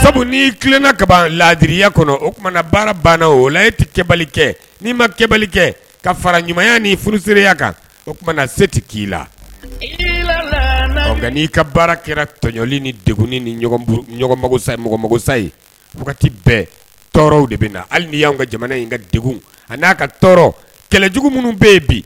sabu n'na ka laadiriya kɔnɔ oumana baara banna o la e tɛ kɛ n'i ma kɛ kɛ ka fara ɲumanya ni furuseereya kan o se tɛ k'i la nka'i ka baara kɛra tɔjɔli ni deg ni sa mɔgɔ sa yeti bɛɛ tɔɔrɔw de bɛ na hali ni y'an ka jamana in ka dege ani n'a ka tɔɔrɔ kɛlɛjugu minnu bɛ yen bi